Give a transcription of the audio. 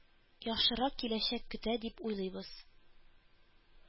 Яхшырак киләчәк көтә, дип уйлыйбыз